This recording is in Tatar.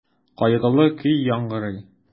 Кайгылы көй яңгырый.